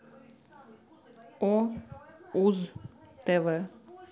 о уз тв